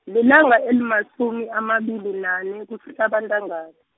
lilanga elimasumi amabili nane, kusihlaba intangana.